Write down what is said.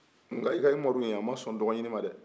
nka e ka umaru nin a ma sɔn dɔgɔɲini ma dɛɛ